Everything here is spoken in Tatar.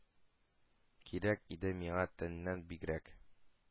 Кирәк иде миңа тәннән бигрәк